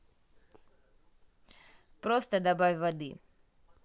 просто добавь воды